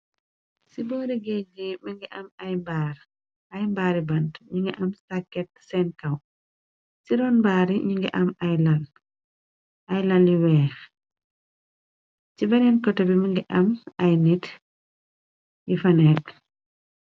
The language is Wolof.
Ci boori géej gi mëngi am aymbar ay mbaari bant ñi ngi am starket seen kaw ci ron mbaari ñi ngi am aylan li weex ci beneen kota bi mëngi am ay nit yu faneekk.